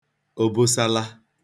obosala